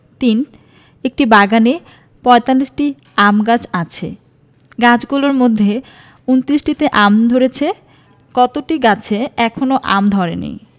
৩ একটি বাগানে ৪৫টি আম গাছ আছে গাছগুলোর মধ্যে ২৯টিতে আম ধরেছে কতটি গাছে এখনও আম ধরেনি